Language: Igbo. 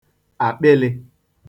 àkpịlị̄